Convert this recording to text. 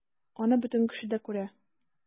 Аны бөтен кеше дә күрә...